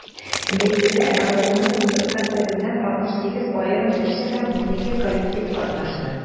Бәйгедә районның 14 мәктәбеннән 68 аерым җырчы һәм 12 коллектив катнашты.